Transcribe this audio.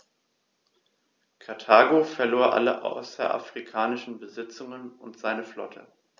Karthago verlor alle außerafrikanischen Besitzungen und seine Flotte.